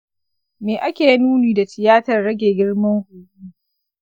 me ake nufi da tiyatar rage girman huhu?